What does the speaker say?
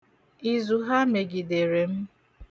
Izu ha megidere m.